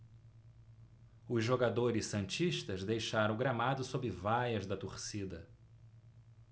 os jogadores santistas deixaram o gramado sob vaias da torcida